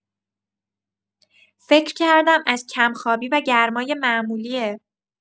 فکر کردم از کم‌خوابی و گرمای معمولیه.